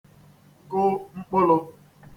kụ mkpụ̄lụ̄